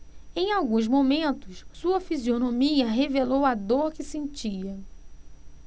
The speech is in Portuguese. em alguns momentos sua fisionomia revelou a dor que sentia